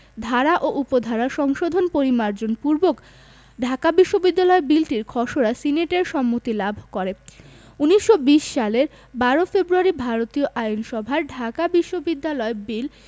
ধারা ও উপধারা সংশোধন পরিমার্জন পূর্বক ঢাকা বিশ্ববিদ্যালয় বিলটির খসড়া সিনেটের সম্মতি লাভ করে ১৯২০ সালের ১২ ফেব্রুয়ারি ভারতীয় আইনসভাযর ঢাকা বিশ্ববিদ্যালয় বিল